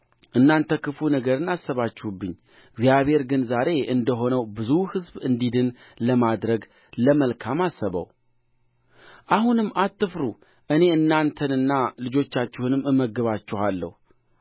እናንተ ክፉ ነገርን አሰባችሁብኝ እግዚአብሔር ግን ዛሬ እንደ ሆነው ብዙ ሕዝብ እንዲድን ለማድረግ ለመልካም አሰበው አሁንም አትፍሩ እኔ እናንተንና ልጆቻችሁን እመግባችኋለሁ